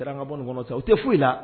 Garanka bɔ kɔnɔ tɛ o tɛ foyi la